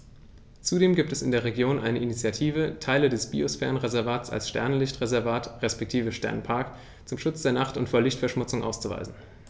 Zudem gibt es in der Region eine Initiative, Teile des Biosphärenreservats als Sternenlicht-Reservat respektive Sternenpark zum Schutz der Nacht und vor Lichtverschmutzung auszuweisen.